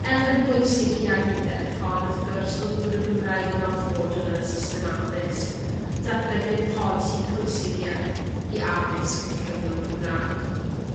Elfen bwysig iawn i'r ddeddf hon wrth gwrs o'dd bod y Gymraeg yn orfodol yn y system addysg datblygiad polisi pwysig iawn i addysg cyfrwng Cymra'g